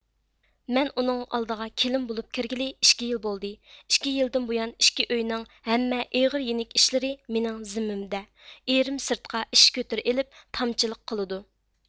مەن ئۇنىڭ ئالدىغا كېلىن بولۇپ كىرگىلى ئىككى يىل بولدى ئىككى يىلدىن بۇيان ئىككى ئۆينىڭ ھەممە ئېغىر يېنىك ئىشلىرى مېنىڭ زېممىمدە ئېرىم سىرتقا ئىش كۆتۈرە ئېلىپ تامچىلىق قىلىدۇ